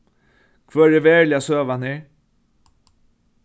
hvør er veruliga søgan her